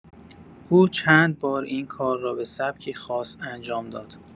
او چندبار این کار را به سبکی خاص انجام داد.